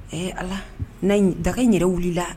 Ee allah na in daga in yɛrɛ wulila la !